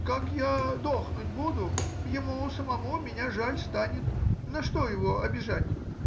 как я дохнуть буду, ему самому меня жаль станет. На что его обижать!